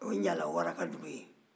o ye ɲala wara ka dugu ye